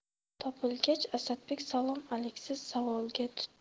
topilgach asadbek salom aliksiz savolga tutdi